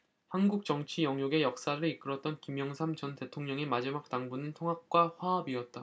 한국정치 영욕의 역사를 이끌었던 김영삼 전 대통령의 마지막 당부는 통합과 화합이었다